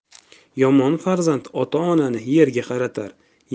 yomon farzand ota onani yerga qaratar